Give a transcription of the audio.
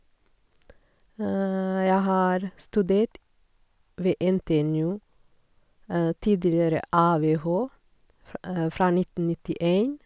Jeg har studert ved NTNU, tidligere AVH, fra fra nitten nittien.